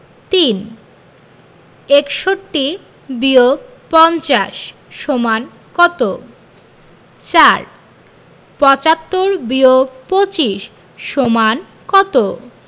৩ ৬১-৫০ = কত ৪ ৭৫-২৫ = কত